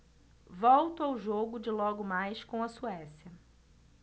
volto ao jogo de logo mais com a suécia